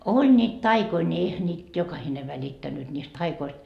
oli niitä taikoja niin eihän niitä jokainen välittänyt niistä taioista